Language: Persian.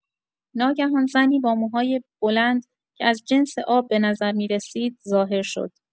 ناگهان زنی با موهای بلند که از جنس آب به نظر می‌رسید، ظاهر شد.